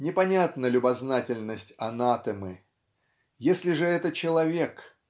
Непонятна любознательность Анатэмы. Если же это человек